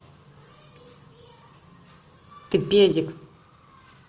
ты педик